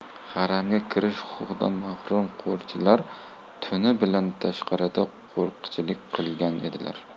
haramga kirish huquqidan mahrum qo'rchilar tuni bilan tashqarida qo'riqchilik qilgan edilar